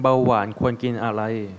เบาหวานควรกินอะไร